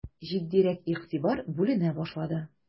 Җитдирәк игътибар бүленә башлады.